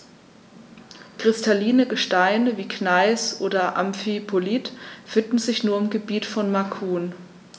Kristalline Gesteine wie Gneis oder Amphibolit finden sich nur im Gebiet von Macun.